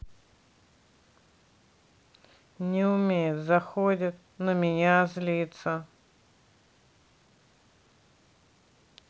не умеет заходит на меня злится